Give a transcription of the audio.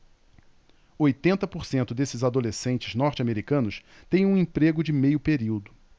oitenta por cento desses adolescentes norte-americanos têm um emprego de meio período